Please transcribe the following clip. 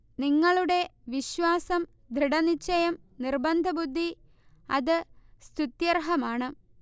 നിങ്ങളുടെ വിശ്വാസം, ദൃഢനിശ്ചയം നിർബന്ധബുദ്ധി അത് സ്തുത്യർഹമാണ്